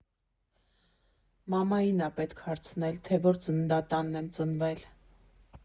Մամային ա պետք հարցնել, թե որ ծննդատանն եմ ծնվել։